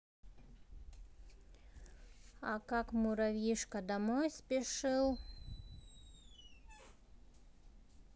а как муравьишка домой спешил